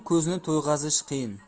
ko'zni to'yg'azish qiyin